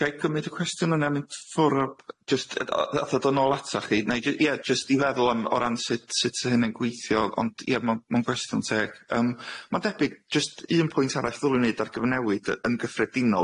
Ga i gymyd y cwestiwn yna mynd ffwr' o b- jyst o- atha do nôl ata chi na i jy- ie jyst i feddwl am o ran sut sut sa hynna'n gweithio ond ie ma'n ma'n gwestiwn teg yym ma'n debyg jyst un pwynt arall ddylwn i wneud ar gyfnewid yy yn gyffredinol,